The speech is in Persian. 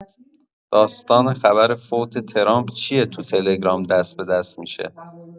داستان خبر فوت ترامپ چیه تو تلگرام دست‌به‌دست می‌شه؟